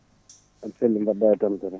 aɗa selli no mbaɗɗa e tampere